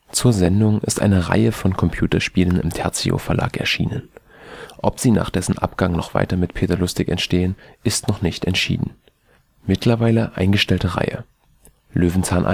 Zur Sendung ist eine Reihe von Computerspielen im Terzio Verlag erschienen. Ob sie nach dessen Abgang noch weiter mit Peter Lustig entstehen, ist noch nicht entschieden. mittlerweile eingestellte Reihe Löwenzahn